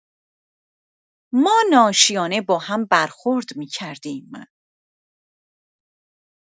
ما ناشیانه باهم برخورد می‌کردیم.